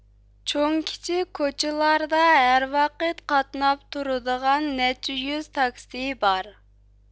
چوڭ كىچىك كوچىلاردا ھەر ۋاقىت قاتناپ تۇرىدىغان نەچچە يۈز تاكسى بار